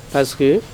Pa